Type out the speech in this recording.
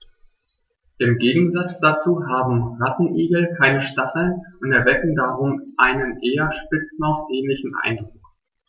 Im Gegensatz dazu haben Rattenigel keine Stacheln und erwecken darum einen eher Spitzmaus-ähnlichen Eindruck.